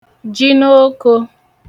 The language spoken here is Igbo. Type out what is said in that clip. jinookō